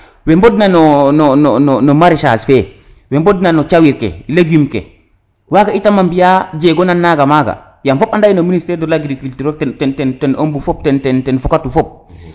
we mbod na no no maraissage fe we mbod na no cawir ke legume ke waga itam a mbiya jego nan naga maga yaam fop anda ye no ministere de l' agricuture ten ten eumb fop ten fokatu fop